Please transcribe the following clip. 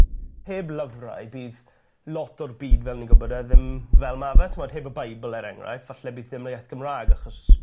heb lyfrau bydd lot o'r byd fel ni'n gwbod ddim fel ma' fe t'mod heb y beibl er enghraifft falle bydd ddim y iaith Gymra'g achos